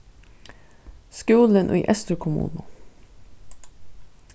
skúlin í eysturkommunu